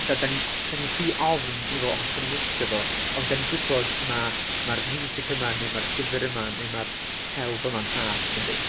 da- dan ni'n dan ni'n rhy ofn i feddwl "o os dan ni'm yn licio fo"... Ond dan ni'n gwbod ma' ma'r music yma, neu ma'r llyfr yma, neu ma'r celf yma'n saff yndi.